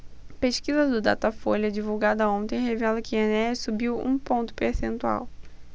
pesquisa do datafolha divulgada ontem revela que enéas subiu um ponto percentual